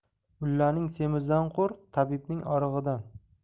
mullaning semizidan qo'rq tabibning orig'idan